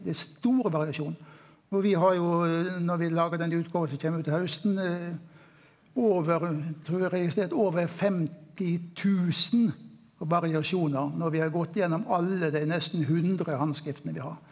det er store variasjon og vi har jo når vi laga den utgåva som kjem ut til hausten over trur vi har registrert over 50000 variasjonar når vi har gått igjennom alle dei nesten 100 handskrifta vi har.